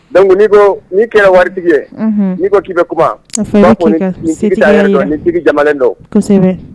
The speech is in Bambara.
Donc n'i ko n'i kɛra waritigi ye unhun n'i ko k'i be kuma u b'a fɔ nin a be fɔ i be k'i ka setigiya yira nin tigi t'a yɛrɛ dɔn nin tigi jamalen don kosɛbɛ